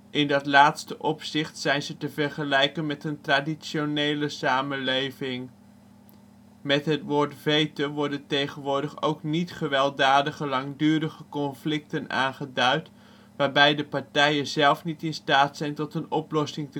In dat laatste opzicht zijn ze te vergelijken met een traditionele samenleving. Met het woord vete worden tegenwoordig ook niet gewelddadige langdurige conflicten aangeduid, waarbij de partijen zelf niet staat zijn tot een oplossing